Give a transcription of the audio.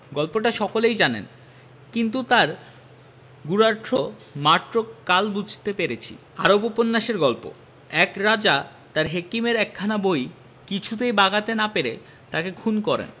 গল্পটা সকলেই জানেন কিন্তু তার গূঢ়ার্থ মাত্র কাল বুঝতে পেরেছি আরব্যোপন্যাসের গল্প এক রাজা তাঁর হেকিমের একখানা বই কিছুতেই বাগাতে না পেরে তাঁকে খুন করেন